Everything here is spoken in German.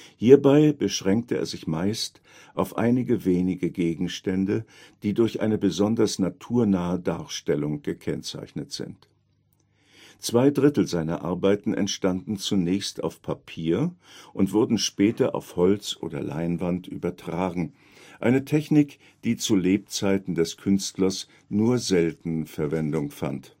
Hierbei beschränkte er sich meist auf einige wenige Gegenstände, die durch eine besonders naturnahe Darstellung gekennzeichnet sind. Zwei Drittel seiner Arbeiten entstanden zunächst auf Papier und wurden später auf Holz oder Leinwand übertragen, eine Technik, die zu Lebzeiten des Künstlers nur selten Verwendung fand